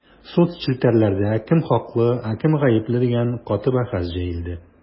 Соцчелтәрләрдә кем хаклы, ә кем гапле дигән каты бәхәс җәелде.